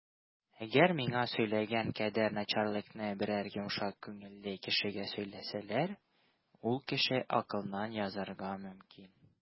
Әгәр миңа сөйләгән кадәр начарлыкны берәр йомшак күңелле кешегә сөйләсәләр, ул кеше акылдан язарга мөмкин.